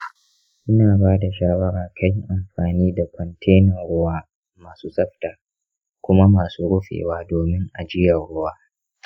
ina ba da shawara ka yi amfani da kwantenan ruwa masu tsafta kuma masu rufewa domin ajiyar ruwa.